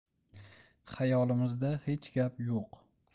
xayolimizda hech gap yo'q